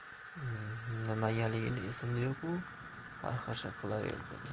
nimagaligi esimda yo'g'u xarxasha qilaverdim